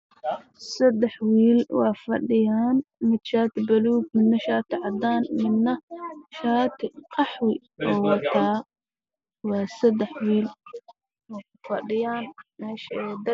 Meeshaan waxaa ka muuqdo sadax